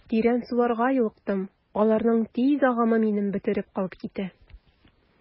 Тирән суларга юлыктым, аларның тиз агымы мине бөтереп алып китә.